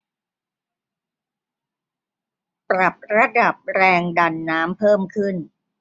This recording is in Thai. ปรับระดับแรงดันน้ำเพิ่มขึ้น